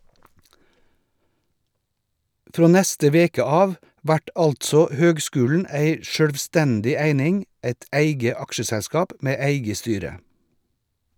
Frå neste veke av vert altså høgskulen ei sjølvstendig eining, eit eige aksjeselskap med eige styre.